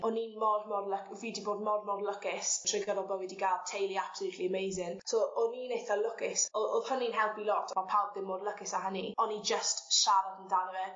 o'n i mor mor luck fi 'di bod mor mor lwcus trwy gydol bo' fi 'di ga'l teulu absolutely amazing so o' fi'n eitha lwcus o- o'dd hwnny'n helpu lot on' pawb ddim mor lwcus â hynny o'n i jyst siarad amdano fe